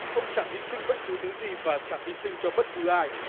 ông chẳng hy sinh bất cứ thứ gì và chẳng hy sinh cho bất cứ ai